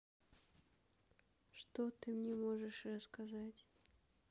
что ты мне можешь рассказать